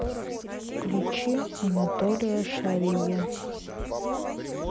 включи анатолия шария